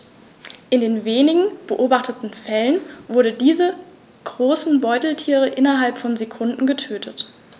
In den wenigen beobachteten Fällen wurden diese großen Beutetiere innerhalb von Sekunden getötet.